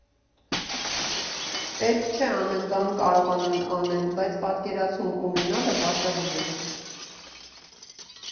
Պետք չէ ամեն բան կարողանալ անել, բայց պատկերացում ունենալը պարտադիր է։